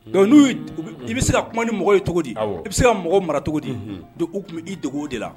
N'u i bɛ se ka kuma ni mɔgɔ ye cogo di i bɛ se ka mɔgɔ mara cogodi don u tun i dogo o de la